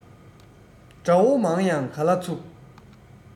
དགྲ བོ མང ཡང ག ལ ཚུགས